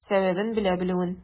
Сәбәбен белә белүен.